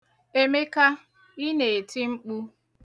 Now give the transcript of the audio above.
Emeka, Ị na-eti mkpu.